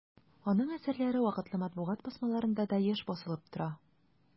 Аның әсәрләре вакытлы матбугат басмаларында да еш басылып тора.